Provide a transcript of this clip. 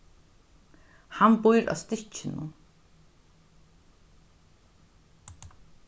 hann býr á stykkinum